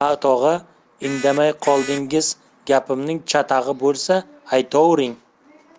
ha tog'a indamay qoldingiz gapimning chatag'i bo'lsa aytovring